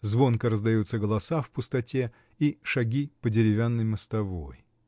Звонко раздаются голоса в пустоте и шаги по деревянной мостовой.